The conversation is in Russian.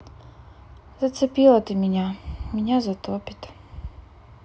зацепила ты меня меня затопит